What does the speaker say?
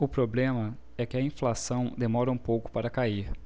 o problema é que a inflação demora um pouco para cair